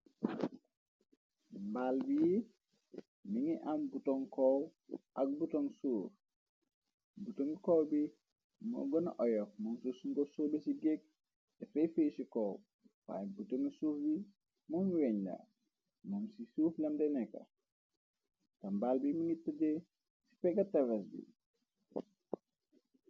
Mbaal bi mi ngi am buton koow ak butong suur bhuton kow bi moo gëna oyof moom suf sungof soobe ci géeg defay feeshi koow faay bhutongi suur yi moomu weñda moom ci suuf lem te nekka te mbal bi mi ngi tëje ci pege tefes bi.